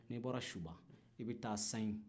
n'i bɔra suba i bɛ taa sayin